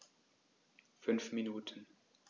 5 Minuten